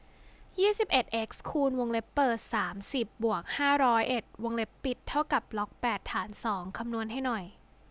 ยี่สิบเอ็ดเอ็กซ์คูณวงเล็บเปิดสามสิบบวกห้าร้อยเอ็ดวงเล็บปิดเท่ากับล็อกแปดฐานสองคำนวณให้หน่อย